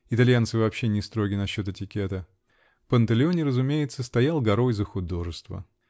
итальянцы вообще не строги насчет этикета), -- Панталеоне, разумеется, стоял горой за художество.